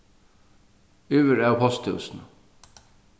yvir av posthúsinum